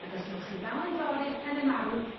Ag os nwch chi ddal i dorri'r pene marw